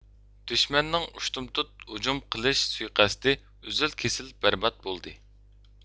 دۈشمەننىڭ ئۇشتۇمتۇت ھۇجۇم قىلىش سۇيىقەستى ئۈزۈل كېسىل بەربات بولدى